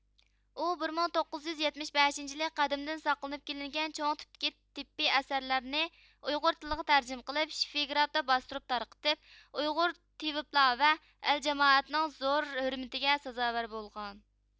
ئۇ بىر مىڭ توققۇز يۈز يەتمىش بەشىنچى يىلى قەدىمدىن ساقلىنىپ كېلىنگەن چوڭ تىپتىكى تىببىي ئەسەرلەرنى ئۇيغۇر تىلىغا تەرجىمە قىلىپ شىفىگرافتا باستۇرۇپ تارقىتىپ ئۇيغۇر تېۋىپلار ۋە ئەل جامائەتنىڭ زور ھۆرمىتىگە سازاۋەر بولغان